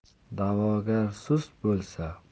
da'vogar sust bo'lsa